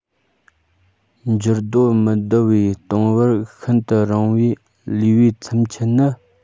འགྱུར རྡོ མི འདུ བའི སྟོང བར ཤིན ཏུ རིང པོར ལུས པའི མཚམས ཆད ནི